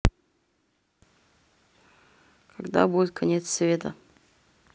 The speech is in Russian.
когда будет конец света